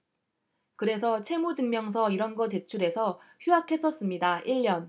그래서 채무증명서 이런 거 제출해서 휴학했었습니다 일 년